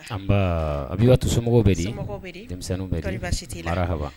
Nba abi to somɔgɔw bɛ di denmisɛnninw bɛ arahaban